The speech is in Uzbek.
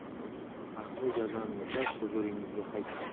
haqli jazoni o'tab huzuringizga qaytdim